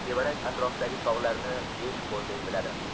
tevarak atrofdagi tog'larni besh qo'lday biladi